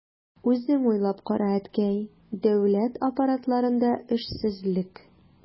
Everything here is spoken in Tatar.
Үзең уйлап кара, әткәй, дәүләт аппаратларында эшсезлек...